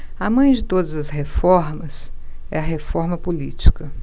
a mãe de todas as reformas é a reforma política